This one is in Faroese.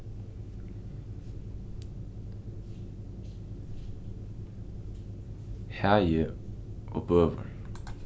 hagi og bøur